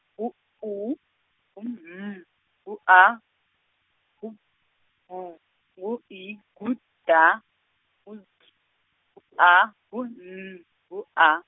ngu U, ngu M, ngu A, ngu B, ngu I, ngu D, ngu Z, ngu A, ngu N, ngu A.